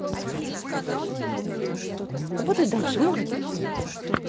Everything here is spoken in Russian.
работай дальше молодец